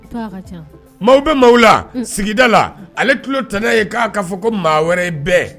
K'a ka ca, maa bɛ maa u la sigida la ale tulolo tɛna ye k'a ka fɔ ko maa wɛrɛ bɛɛ